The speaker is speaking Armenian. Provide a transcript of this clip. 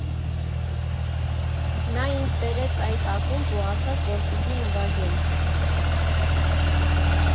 Նա ինձ բերեց այդ ակումբ ու ասաց, որ պիտի նվագեմ։